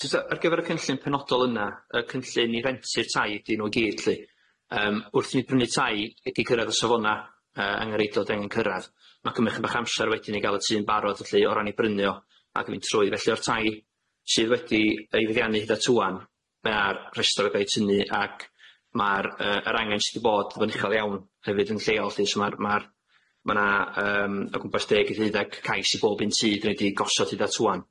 Na jys ar gyfar y cynllun penodol yna y cynllun i rentu'r tai ydyn nw i gyd lly yym wrth i ni brynu tai i gyrradd y safona yy angenridiol 'dan ni angen cyrradd ma' cymry' bach o amsar wedyn i ga'l y tŷ yn barod lly o ran 'i brynu o ag mynd trwy felly o ran tai sydd wedi ei feddiannu hyd at ŵan ma'r rhestyr yn cal 'i tynnu ac ma'r yy yr angen sydd 'di bod yn uchel iawn hefyd yn lleol lly so ma'r ma'r ma' 'na yym o gwmpas deg i ddeuddeg cais i bob un tŷ 'da ni 'di gosod hyd at ŵan.